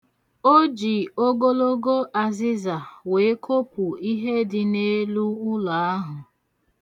O ji ogologo azịza wee kopu ihe dị n'elu ụlọ ahụ.